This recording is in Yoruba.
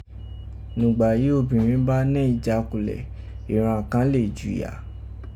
nùgbà yìí obìrẹn ba nẹ́ ìjákulẹ̀ iran kan le jù yà.